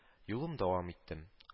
Юлым дәвам иттем